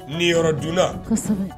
Niyɔrɔ dunna, kosɛbɛ